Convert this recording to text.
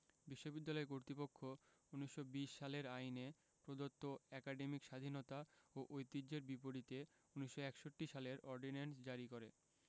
বিশ্ববিদ্যালয় কর্তৃপক্ষ ১৯২০ সালের আইনে প্রদত্ত একাডেমিক স্বাধীনতা ও ঐতিহ্যের বিপরীতে ১৯৬১ সালের অর্ডিন্যান্স জারি করে